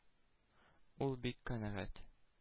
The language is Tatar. Ул бик канәгать.